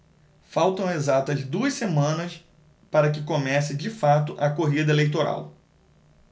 faltam exatas duas semanas para que comece de fato a corrida eleitoral